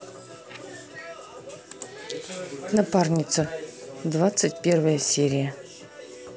напарница двадцать первая серия